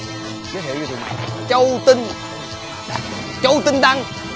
giới thiệu với tụi mày châu tinh châu tinh đăng